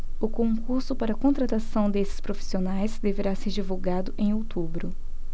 o concurso para contratação desses profissionais deverá ser divulgado em outubro